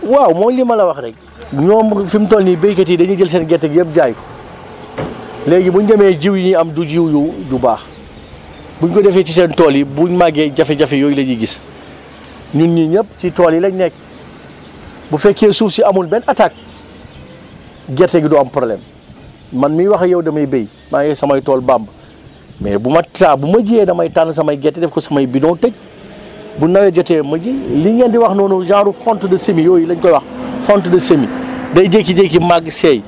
waaw mooy li ma la wax rek ñoom fi mu toll nii béykat yi dañu jël seen gerte gi yëpp jaay ko léegi buñ demee jiw yiñ am du jiw yu du baax bu ñu ko defee si seen tool yi buñ màggee ay jafe-jafe yooyu la ñuy gis ñun ñii ñëpp ci tool yi lañ nekk bu fekkee suuf si amul benn attaque gerte gi du am problème man miy wax ak yow damay béy maa ngeeg samay tool Bamb mais bu ma saa bu ma jiyee damay tànn samay gerte def ko samay bidons tëj bu nawet jotee ma ji li ngeen di wax noonu genre fonte :frade semis yooyu lañ koy wax fonte de semis day jékki-jékki màgg seey